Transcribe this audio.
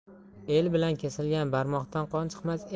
el bilan kesilgan barmoqdan qon chiqmas